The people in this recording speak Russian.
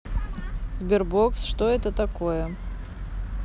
sberbox что это такое